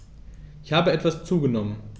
Ich habe etwas zugenommen